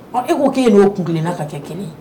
Ɔ e ko k' e n'o kuntilena ka kɛ kelen ye.